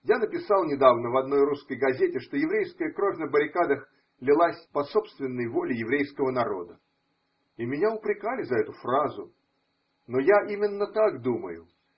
Я написал недавно в одной русской газете, что еврейская кровь на баррикадах лилась по собственной воле еврейского народа, и меня упрекали за эту фразу. Но я именно так думаю.